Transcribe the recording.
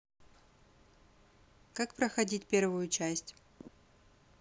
как проходить первую часть